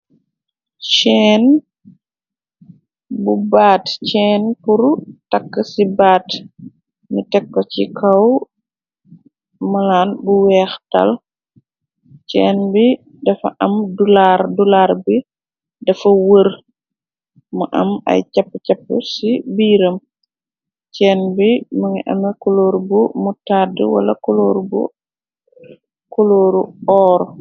Cheen bu baat, cheen puru tàkk ci baat nyu tekko ci kaw malaan bu weex tal. Cheen bi dafa am dullaar, dullaar bi dafa wër mu am ay jappi jappi ci biiram. Chenn bi mun ngi ame kulóor bu mu tàdd wala kulooru oor.